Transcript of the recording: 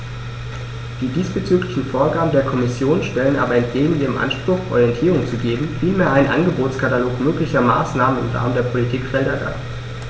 Die diesbezüglichen Vorgaben der Kommission stellen aber entgegen ihrem Anspruch, Orientierung zu geben, vielmehr einen Angebotskatalog möglicher Maßnahmen im Rahmen der Politikfelder dar.